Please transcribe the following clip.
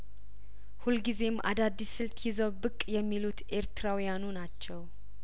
ሁልጊዜም አዳዲስ ስልት ይዘው ብቅ የሚሉት ኤርትራውያኑ ናቸው